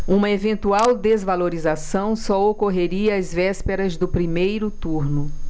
uma eventual desvalorização só ocorreria às vésperas do primeiro turno